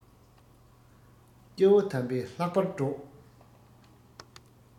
སྐྱེ བོ དམ པས ལྷག པར སྒྲོགས